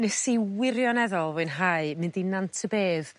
nes i wirioneddol fwynhau mynd i Nant y Bedd